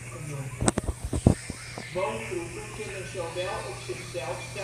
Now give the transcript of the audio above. genoemd. Woongroepen kunnen zowel op zichzelf